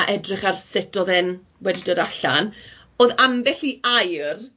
a edrych ar sut o'dd e'n wedi dod allan, o'dd ambell i air